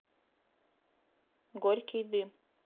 горький дым